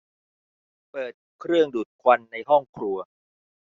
เปิดเครื่องดูดควันในห้องครัว